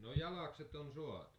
no jalakset on saatu